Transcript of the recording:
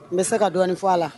N bɛ se ka dɔɔninɔni fɔ a la